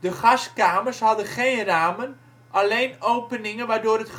gaskamers hadden geen ramen, alleen openingen waardoor het